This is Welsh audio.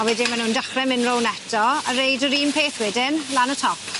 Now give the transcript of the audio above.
A wedyn ma' nw'n dechre myn' rownd eto a reud yr un peth wedyn lan y top.